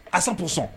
100 pour 100